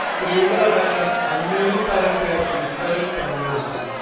സ്ത്രീകളടക്കം അഞ്ഞൂറിൽ പരം പേർ ഇഫ്തറിൽ പങ്കെടുത്തു